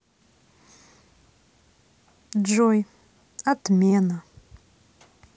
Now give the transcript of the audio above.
джой отмена